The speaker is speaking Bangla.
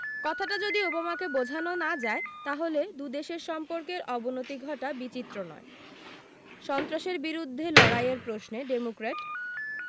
কথাটা যদি ওবামাকে বোঝানো না যায় তাহলে দু দেশের সম্পর্কের অবনতি ঘটা বিচিত্র নয় সন্ত্রাসের বিরুদ্ধে লড়াইয়ের প্রশ্নে ডেমোক্র্যাট